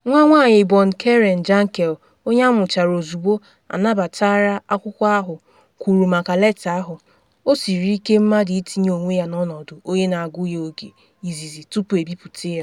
Nwa nwanyị Bond Karen Jankel, onye amụchara ozugbo anabatara akwụkwọ ahụ, kwuru maka leta ahụ: “O siri ike mmadụ itinye onwe ya n’ọnọdụ onye na agụ ya oge izizi tupu ebipute ya.